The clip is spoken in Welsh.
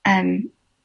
Yym.